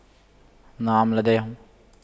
نعم لديهم